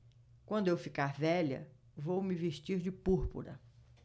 quando eu ficar velha vou me vestir de púrpura